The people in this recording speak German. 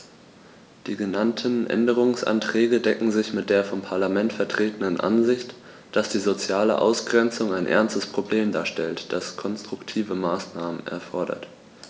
Die genannten Änderungsanträge decken sich mit der vom Parlament vertretenen Ansicht, dass die soziale Ausgrenzung ein ernstes Problem darstellt, das konstruktive Maßnahmen erfordert.